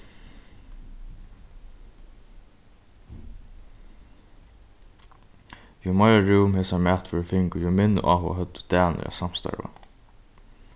jú meira rúm hesar matvørur fingu jú minni áhuga høvdu danir at samstarva